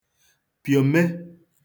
piòme